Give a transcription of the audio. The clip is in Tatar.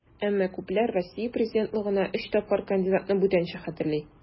Әмма күпләр Россия президентлыгына өч тапкыр кандидатны бүтәнчә хәтерли.